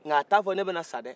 nka a t'a fɔ ne bɛ na sa dɛ